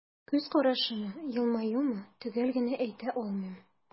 Күз карашымы, елмаюмы – төгәл генә әйтә алмыйм.